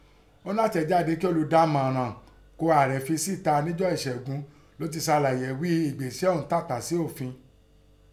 Ńnú àtẹ̀jáde kí olùdámọ̀ràn ún Ààrẹ fi síta níjọ́ Ìṣẹ́gun ló ti sàlàyé ghí i egbésẹ̀ ọ̀ún tàpá sí òfi.